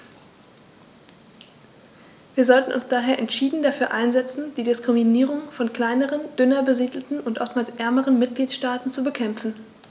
Wir sollten uns daher entschieden dafür einsetzen, die Diskriminierung von kleineren, dünner besiedelten und oftmals ärmeren Mitgliedstaaten zu bekämpfen.